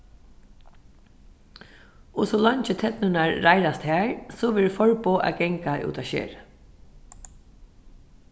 og so leingi ternurnar reiðrast har so verður forboð at ganga út á skerið